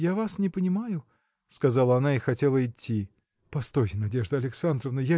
я вас не понимаю, – сказала она и хотела идти. – Постойте Надежда Александровна